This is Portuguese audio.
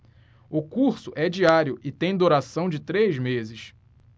o curso é diário e tem duração de três meses